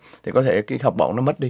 thì có thể cái học bổng nó mất đi